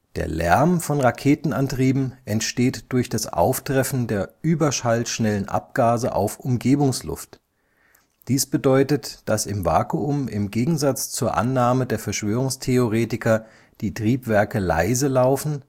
Der Lärm von Raketenantrieben entsteht durch das Auftreffen der überschallschnellen Abgase auf Umgebungsluft, dies bedeutet, dass im Vakuum im Gegensatz zur Annahme der Verschwörungstheoretiker die Triebwerke leise laufen